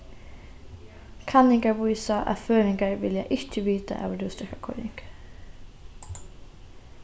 kanningar vísa at føroyingar vilja ikki vita av rúsdrekkakoyring